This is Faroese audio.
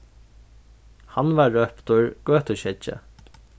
hann var róptur gøtuskeggi